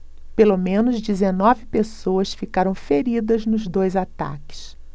pelo menos dezenove pessoas ficaram feridas nos dois ataques